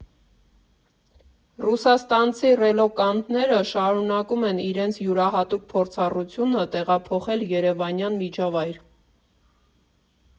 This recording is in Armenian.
Ռուսաստանցի ռելոկանտները շարունակում են իրենց յուրահատուկ փորձառությունը տեղափոխել երևանյան միջավայր։